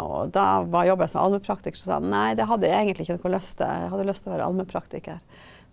og da jobba jeg som allmennpraktiker, så sa nei det hadde jeg egentlig ikke noe lyst til, jeg hadde lyst til å være allmennpraktiker.